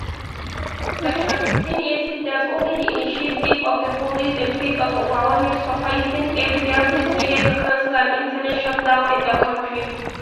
Section 15a states that only the "initiative" of the police in face of "overwhelming sufficing evidence" is needed to cancel an internet shutdown in the country.